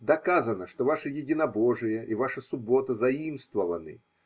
Доказано, что ваше единобожие и ваша суббота заимствованы